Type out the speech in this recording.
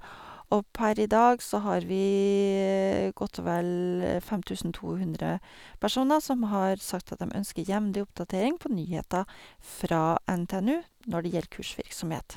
Og per i dag så har vi godt og vel fem tusen to hundre personer som har sagt at dem ønsker jevnlig oppdatering på nyheter fra NTNU når det gjelder kursvirksomhet.